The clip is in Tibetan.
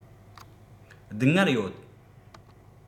སྡུག སྔལ ཡོད